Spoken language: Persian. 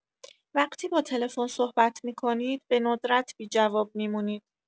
وقتی با تلفن صحبت می‌کنید به‌ندرت بی‌جواب می‌مونید.